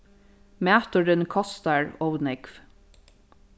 maturin kostar ov nógv